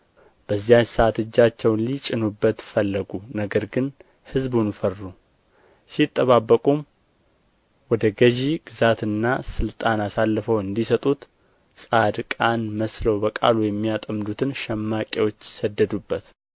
በዚያች ሰዓት እጃቸውን ሊጭኑበት ፈለጉ ነገር ግን ሕዝቡን ፈሩ ሲጠባበቁም ወደ ገዢ ግዛትና ሥልጣን አሳልፈው እንዲሰጡት ጻድቃን መስለው በቃሉ የሚያጠምዱትን ሸማቂዎች ሰደዱበት